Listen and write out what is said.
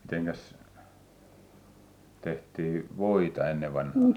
mitenkäs tehtiin voita ennen vanhaan